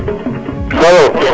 alo